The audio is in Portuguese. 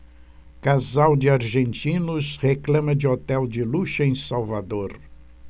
casal de argentinos reclama de hotel de luxo em salvador